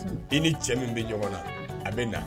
I ni cɛ min bɛ ɲɔgɔn na a bɛ na